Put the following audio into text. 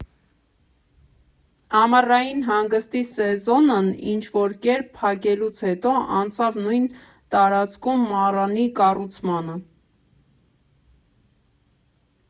Ամառային հանգստի սեզոնն ինչ֊որ կերպ փակելուց հետո անցավ նույն տարածքում Մառանի կառուցմանը։